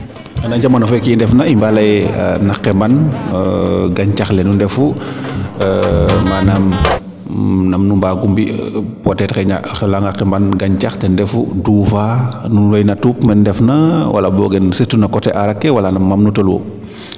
no jamano feeke i ndef na i mbaa leyee na qemban gancax le nu ndefu manaam nam nu mbaagu mbi peut etre xaƴna o leya nga xeman gancax ten refu duufaa nuun wey na tuup menu ndefna wala boogen surtout no coté arake wala man nu tolwu